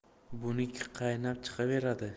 buniki qaynab chiqaveradi